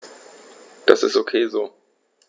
Das ist ok so.